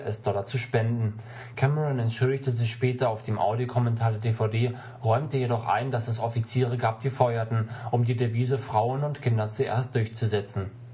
US-Dollar zu spenden. Cameron entschuldigte sich später auf dem Audiokommentar der DVD, räumte jedoch ein, dass es Offiziere gab, die feuerten, um die Devise „ Frauen und Kinder zuerst “durchzusetzen. Selbst